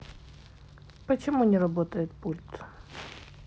почему не работает пульт